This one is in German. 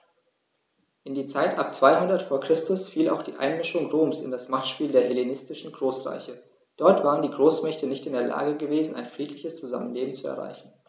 In die Zeit ab 200 v. Chr. fiel auch die Einmischung Roms in das Machtspiel der hellenistischen Großreiche: Dort waren die Großmächte nicht in der Lage gewesen, ein friedliches Zusammenleben zu erreichen.